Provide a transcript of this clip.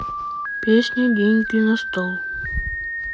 песня деньги на стол